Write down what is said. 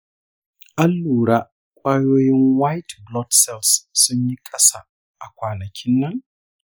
an lura ƙwayoyin white blood cells sun yi ƙasa a kwanakin nan?